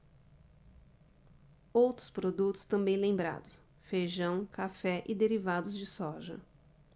outros produtos também lembrados feijão café e derivados de soja